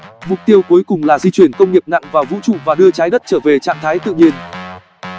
mục tiêu cuối cùng là di chuyển công nghiệp nặng vào vũ trụ và đưa trái đất trở về trạng thái tự nhiên